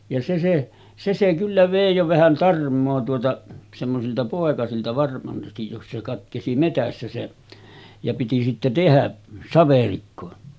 ja se se se se kyllä vei jo vähän tarmoa tuota semmoisilta poikasilta varmasti jos se katkesi metsässä se ja piti sitten tehdä saverikko